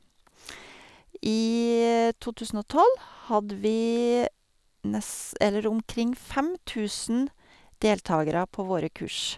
I to tusen og tolv hadde vi nes eller omkring fem tusen deltagere på våre kurs.